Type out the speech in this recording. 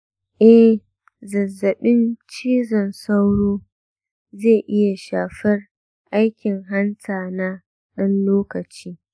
eh, zazzaɓin cizon sauro zai iya shafar aikin hanta na ɗan lokaci.